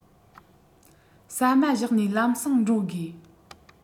ཟ མ བཞག ནས ལམ སེང འགྲོ དགོས